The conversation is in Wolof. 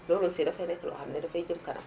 loolu aussi dafay nekk loo xam ne dafay jëm kanam